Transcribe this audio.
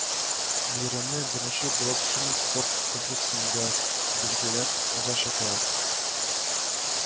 Бәйрәмне беренче булып Шинник спорт комплексында билгеләп узачаклар